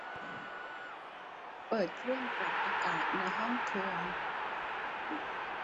เปิดเครื่องปรับอากาศในห้องครัว